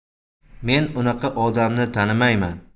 men unaqa odamni tanimayman